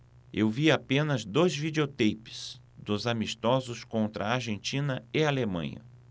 eu vi apenas dois videoteipes dos amistosos contra argentina e alemanha